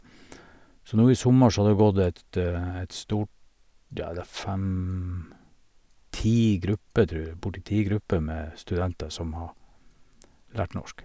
Så nå i sommer så har det gått et et stort, ja, det er fem ti grupper, tror jeg, borte i ti grupper med studenter som har lært norsk.